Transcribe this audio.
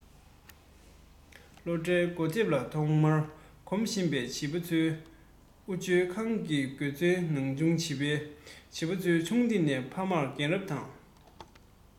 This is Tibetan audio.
སློབ གྲྭའི སྒོ ཐེམ ལ ཐོག མར འགོམ བཞིན པའི བྱིས པ ཚོའི བུ བཅོལ ཁང གི དགེ ཚོས ན ཆུང བྱིས པ བྱིས པ ཚོས ཆུང དུས ནས ཕ མ རྒན རབས དང